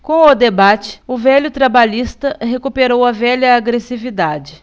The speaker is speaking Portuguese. com o debate o velho trabalhista recuperou a velha agressividade